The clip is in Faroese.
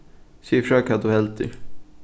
sig frá hvat tú heldur